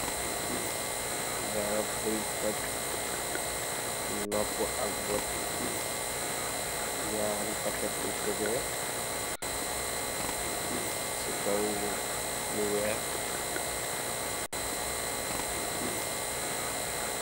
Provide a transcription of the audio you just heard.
Garap ngii fac nopuh ak bët, ñaari paket yu tegeh ci kaw lu wèèx .